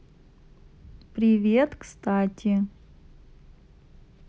привет кстати